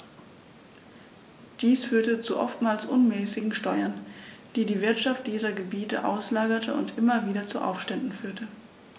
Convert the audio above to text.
Dies führte zu oftmals unmäßigen Steuern, die die Wirtschaft dieser Gebiete auslaugte und immer wieder zu Aufständen führte.